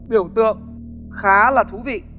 biểu tượng khá là thú vị